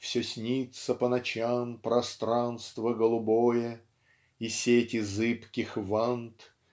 Все снится по ночам пространство голубое И сети зыбких вант